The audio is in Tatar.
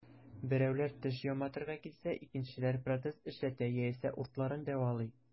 Берәүләр теш яматырга килсә, икенчеләр протез эшләтә яисә уртларын дәвалый.